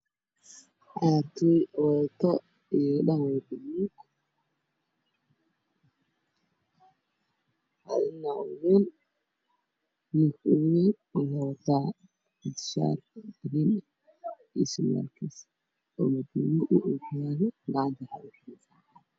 Meeshaan waxaa ka muuqda ciyaartoyda xulka qaranka soomaaliya iyo ra-iisul wasaare xamse cabdi rashiid barre l iyo macalimiin